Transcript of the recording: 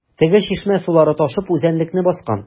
Теге чишмә сулары ташып үзәнлекне баскан.